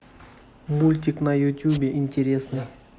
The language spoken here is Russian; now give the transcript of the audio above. мультик на ютубе интересный